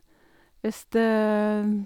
Hvis det...